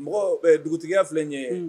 Mɔgɔ dugutigiya filɛ ye ye